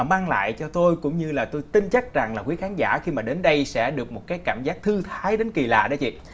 mang lại cho tôi cũng như là tôi tin chắc rằng là quý khán giả khi mà đến đây sẽ được một cái cảm giác thư thái đến kỳ lạ đấy chị